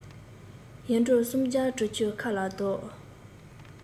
ཡེ འབྲོག སུམ བརྒྱ དྲུག ཅུའི ཁ ལ བཟློག